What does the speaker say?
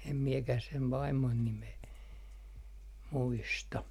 en minäkään sen vaimon nimeä muista